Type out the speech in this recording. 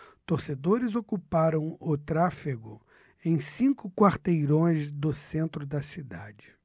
torcedores ocuparam o tráfego em cinco quarteirões do centro da cidade